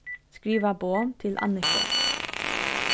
skriva boð til anniku